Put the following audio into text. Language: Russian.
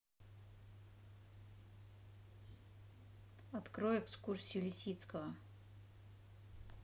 открой экскурсию лисицкого